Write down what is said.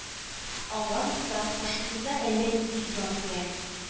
Аңламастан, каршысында әллә нинди «ят» күрә.